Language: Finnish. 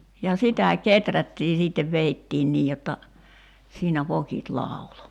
ja sitä kehrättiin sitten vedettiin niin jotta siinä vokit lauloi